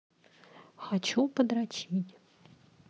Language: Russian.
хочу подрочить